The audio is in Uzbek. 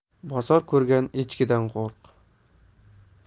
bozor ko'rgan echkidan qo'rq